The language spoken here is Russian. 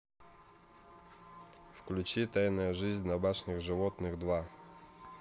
включи тайная жизнь домашних животных два